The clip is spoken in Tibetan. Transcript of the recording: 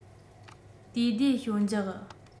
དུས བདེ ཞོད འཇགས